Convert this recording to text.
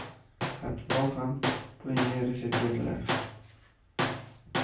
fatvo ham pulingga yarasha berilar